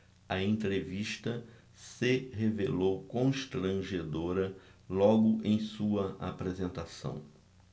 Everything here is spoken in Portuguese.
a entrevista se revelou constrangedora logo em sua apresentação